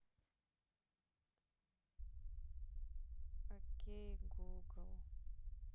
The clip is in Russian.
ок гугл